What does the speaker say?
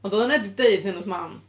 Ond oedd 'na neb 'di deud hyn wrth mam.